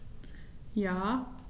Ja.